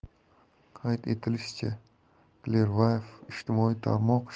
qayd etilishicha clearview ijtimoiy tarmoq